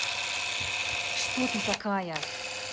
что ты такая